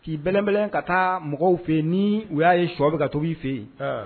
K'i bɛnlɛnbɛn ka taa mɔgɔw fɛ ni u y'a ye shɔ bɛ ka to fɛ yen